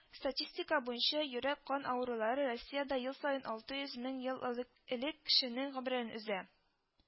Статистика буенча йөрәк кан авырулары Россиядә ел саен алты йөз мең элык элек кешенең гомерен өзә